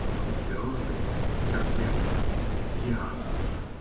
Потом звезды, вертеп, ясли.